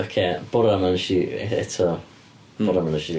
Ocê, bore yma wnes i, eto bore yma wnes i...